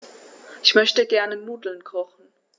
Ich möchte gerne Nudeln kochen.